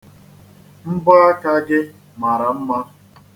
Mbọ aka gị mara mma.